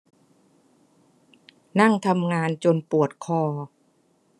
นั่งทำงานจนปวดคอ